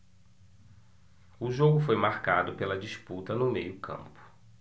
o jogo foi marcado pela disputa no meio campo